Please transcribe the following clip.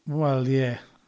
Wel, ie.